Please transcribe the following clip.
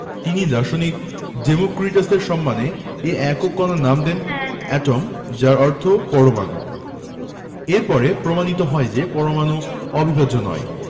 তিনি দার্শনিক ডেমোক্রিটাসের সম্মানে এ একক কণার নাম দেন এটম যার অর্থ পরমাণু এর পরে প্রমাণিত হয় যে পরমাণু অবিভাজ্য নয়